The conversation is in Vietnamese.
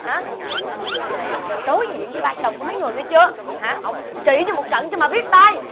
hả liệu hồn mà dề á đối diện với ba chồng của mấy người nghe chưa hả ổng trị cho một trận cho mà biết tay